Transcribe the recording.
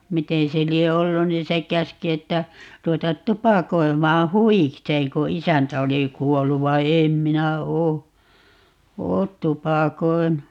miten se lie ollut niin se käski että ruveta tupakoimaan huvikseen kun isäntä oli kuollut vaan en minä ole ole tupakoinut